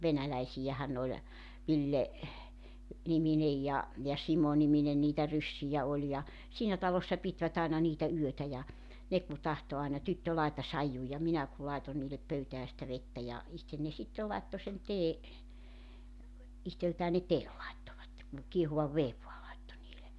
venäläisiähän ne oli Ville niminen ja ja Simo-niminen niitä ryssiä oli ja siinä talossa pitivät aina niitä yötä ja ne kun tahtoi aina tyttö laita saiju ja minä kun laitoin niille pöytään sitä vettä ja itse ne sitten laittoi sen teen itseltään ne teen laittoivat kun kiehuvan veden vain laittoi niille